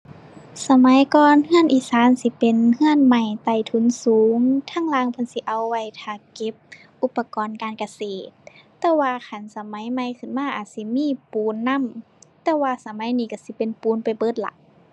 สมัยก่อนเรือนอีสานสิเป็นเรือนไม้ไต้ถุนสูง ทางล่างเพิ่นสิเอาไว้ท่าเก็บอุปกรณ์การเกษตร แต่ว่าคันสมัยใหม่ขึ้นมาอาจสิมีปูนนำ แต่ว่าสมัยนี้เรือนสิเป็นปูนไปเบิดล่ะ